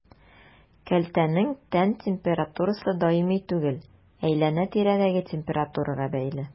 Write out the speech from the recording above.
Кәлтәнең тән температурасы даими түгел, әйләнә-тирәдәге температурага бәйле.